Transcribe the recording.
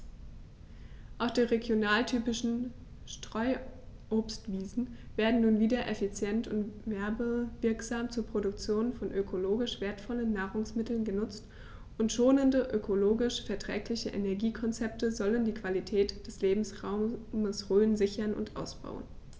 Auch die regionaltypischen Streuobstwiesen werden nun wieder effizient und werbewirksam zur Produktion von ökologisch wertvollen Nahrungsmitteln genutzt, und schonende, ökologisch verträgliche Energiekonzepte sollen die Qualität des Lebensraumes Rhön sichern und ausbauen.